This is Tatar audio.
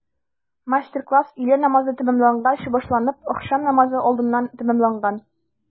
Мастер-класс өйлә намазы тәмамлангач башланып, ахшам намазы алдыннан тәмамланган.